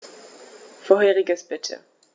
Vorheriges bitte.